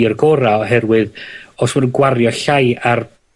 i'r gora, oherwydd os ma' nw'n gwario llai ar